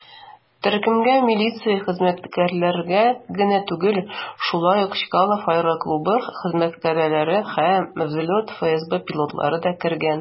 Төркемгә милиция хезмәткәрләре генә түгел, шулай ук Чкалов аэроклубы хезмәткәрләре һәм "Взлет" ФСБ пилотлары да кергән.